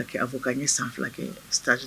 Fɔ' ye san fila kɛ